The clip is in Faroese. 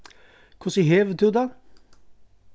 hvussu hevur tú tað